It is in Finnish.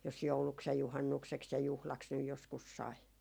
jos jouluksi ja juhannukseksi ja juhlaksi nyt joskus sai